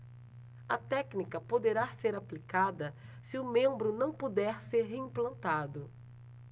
a técnica poderá ser aplicada se o membro não puder ser reimplantado